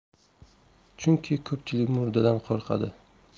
chunki ko'pchilik murdadan qo'rqadi